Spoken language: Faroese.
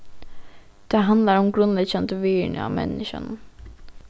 tað handlar um grundleggjandi virðini á menniskjanum